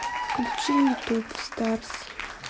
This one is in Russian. включи ютуб в старс